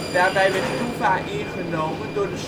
daarbij werd Toeva ingenomen door de